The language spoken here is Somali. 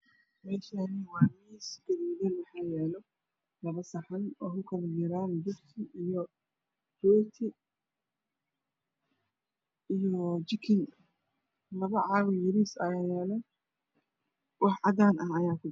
Meeshaan waa miis gaduud waxaa yaalo labo saxan oo ay kujiraan jibsi iyo rooti iyo jikin. Labo caag oo yaryar ayaa yaalo oo wax cadaan ah kujiraan.